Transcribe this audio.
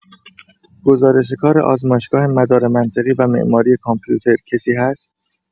گزارش کار آزمایشگاه مدارمنطقی و معماری کامپیوتر کسی هست؟